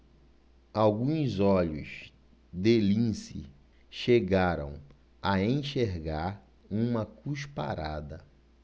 alguns olhos de lince chegaram a enxergar uma cusparada